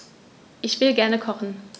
Ich will gerne kochen.